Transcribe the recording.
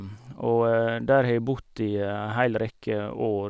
Og der har jeg bodd i ei heil rekke år.